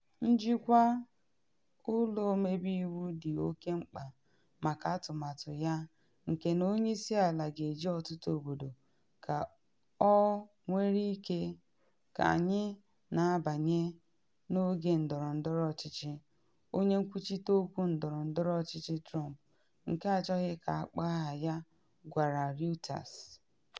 “Njikwa Ụlọ Ọmebe Iwu dị oke mkpa maka atụmatụ ya, nke na onye isi ala ga-eje ọtụtụ obodo ka ọ nwere ike, ka anyị na-abanye n’oge ndọrọndọrọ ọchịchị” onye nkwuchite okwu ndọrọndọrọ ọchịchị Trump nke achọghị ka akpọ aha ya gwara Reuters.